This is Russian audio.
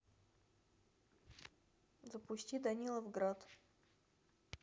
запусти данилов град